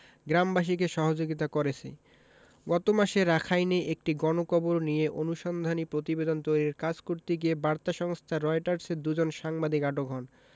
গ্রামবাসীকে সহযোগিতা করেছে গত মাসে রাখাইনে একটি গণকবর নিয়ে অনুসন্ধানী প্রতিবেদন তৈরির কাজ করতে গিয়ে বার্তা সংস্থা রয়টার্সের দুজন সাংবাদিক আটক হন